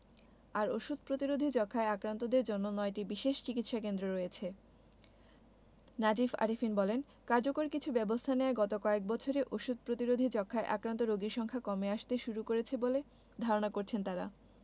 আর ওষুধ প্রতিরোধী যক্ষ্মায় আক্রান্তদের জন্য ৯টি বিশেষ চিকিৎসাকেন্দ্র রয়েছে নাজিস আরেফিন বলেন কার্যকর কিছু ব্যবস্থা নেয়ায় গত কয়েক বছরে ওষুধ প্রতিরোধী যক্ষ্মায় আক্রান্ত রোগীর সংখ্যা কমে আসতে শুরু করেছে বলে ধারণা করছেন তারা